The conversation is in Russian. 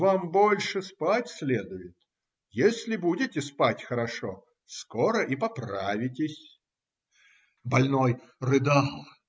Вам больше спать следует; если будете спать хорошо, скоро и поправитесь. Больной рыдал.